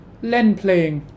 เล่นเพลง